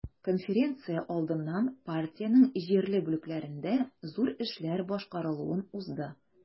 Конференция алдыннан партиянең җирле бүлекләрендә зур эшләр башкарылуын узды.